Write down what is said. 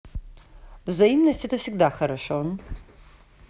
взаимность это всегда хорошо